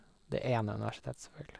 Det ene universitetet, selvfølgelig.